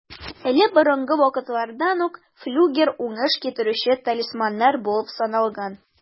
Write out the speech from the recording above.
Әле борынгы вакытлардан ук флюгер уңыш китерүче талисманнар булып саналган.